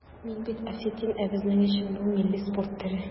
Мин бит осетин, ә безнең өчен бу милли спорт төре.